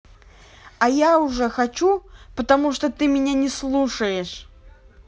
а я уже хочу потому что ты меня не слушаешь